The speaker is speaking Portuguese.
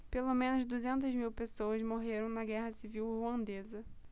pelo menos duzentas mil pessoas morreram na guerra civil ruandesa